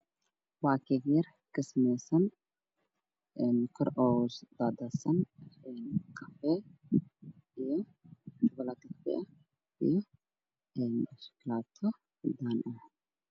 Waa keek midabkiisu yahay caddaan waxaa kor uga daahsan shukuraato midabkeedu yahay madow qaxooy